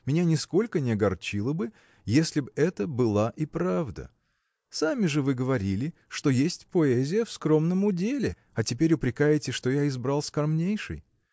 меня нисколько не огорчило бы, если б это была и правда. Сами же вы говорили что есть поэзия в скромном уделе а теперь упрекаете что я избрал скромнейший.